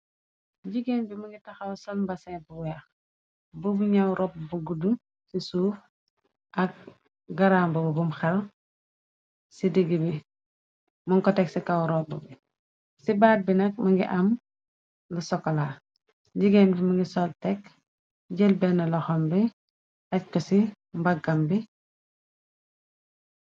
Jigéen bi mëngi taxaw sommbasin bu weex bu bu ñaw ropp bu guddu ci suuf ak garambb bum xar ci digg bi mun ko teg ci kaw ropp bi ci baat bi nag mëngi am lu sokola jigéen bi ma ngi sol tekk jël benn la xombe aj ko ci mbaggam bi.